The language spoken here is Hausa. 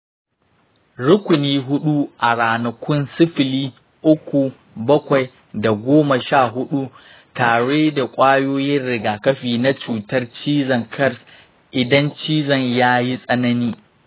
rukuni huɗu a ranakun sifili, uku, bakwai, da goma sha huɗu, tare da kwayoyin rigakafi na cutar cizon kars idan cizon ya yi tsanani.